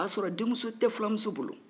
o y'a s'ɔrɔ denmuso tɛ filamuso bolo